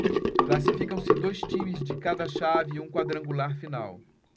classificam-se dois times de cada chave a um quadrangular final